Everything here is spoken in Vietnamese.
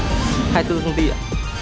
hai tư xen ti